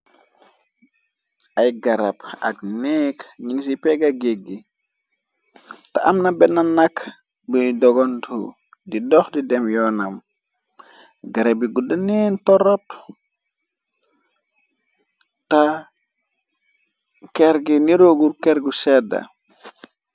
Ay garab ak neekk ning ci pega géggi te amna benn nakk buy dogontu di dox di dem yoonam garab i guddaneen torop ta kerge nirogur kergu sedda.